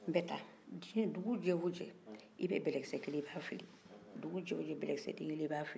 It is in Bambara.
n bɛ taa dugu jɛ wo jɛ i bɛ bɛlɛkisɛ kelen ta i b'a fili dugu jɛ wo jɛ bɛlɛ kisɛ kelen i b'a fili